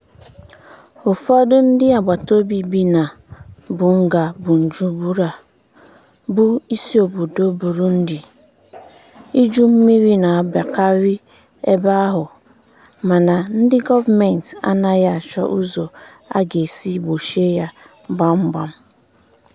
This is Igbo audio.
Ụfọdụ ndị agbataobi bi na mpụga Bujumbura, bụ isi obodo Burundi, iju mmiri na-abaịakarị ebe ahụ mana ndị gọọmenti anaghị achọ ụzọ a ga-esi gbochie ya gbam gbam.